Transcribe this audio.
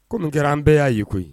Kunun kɛra an bɛɛ y'a yei koyi